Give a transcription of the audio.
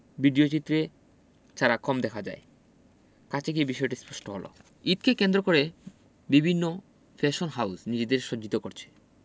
ভিডিওচিত্রে ছাড়া কম দেখা যায় কাছে গিয়ে বিষয়টি স্পষ্ট হলো ঈদকে কেন্দ্র করে বিভিন্ন ফ্যাশন হাউজ নিজেদের সজ্জিত করছে